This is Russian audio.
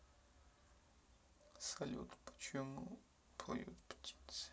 салют почему поют птицы